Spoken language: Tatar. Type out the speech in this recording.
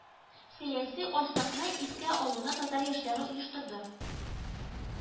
Сәяси ачлыкны искә алуны татар яшьләре оештырды